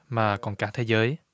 mà còn cả thế giới